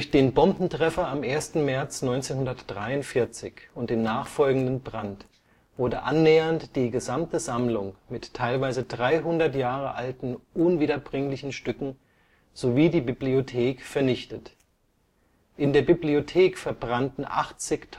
den Bombentreffer am 1. März 1943 und den nachfolgenden Brand wurde annähernd die gesamte Sammlung, mit teilweise 300 Jahre alten unwiederbringlichen Stücken, sowie die Bibliothek vernichtet. In der Bibliothek verbrannten 80.000